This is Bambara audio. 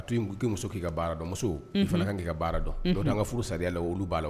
A toimuso k' ka baara dɔn muso fana kan ki ka baara dɔn y' ka furu sariya la olu b'a la